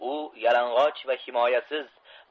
u yalang'och va himoyasiz